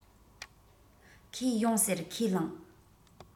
ཁོས ཡོང ཟེར ཁས བླངས